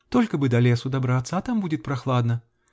-- Только бы до лесу добраться, а там будет прохладно.